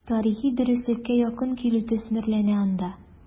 Тарихи дөреслеккә якын килү төсмерләнә анда.